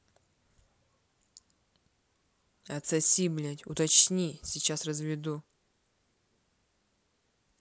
отсосите блядь уточни сейчас разведу